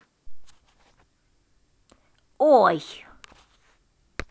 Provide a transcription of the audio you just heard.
ой